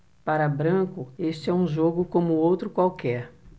para branco este é um jogo como outro qualquer